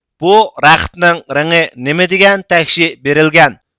بۇ رەختىنىڭ رېڭى نېمىدېگەن تەكشى بېرىلگەن